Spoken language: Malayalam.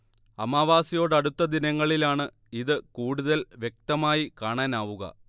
അമാവാസിയോടടുത്ത ദിനങ്ങളിലാണ് ഇത് കൂടുതൽ വ്യക്തമായി കാണാനാവുക